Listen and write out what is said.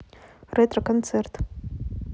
ретро концерт